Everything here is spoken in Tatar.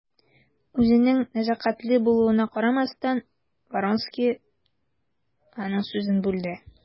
Үзенең нәзакәтле булуына карамастан, Вронский аның сүзен бүлде.